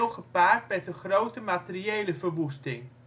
gepaard met een grote materiële verwoesting